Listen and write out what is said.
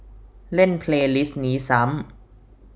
เล่นเพลย์ลิสนี้ซ้ำ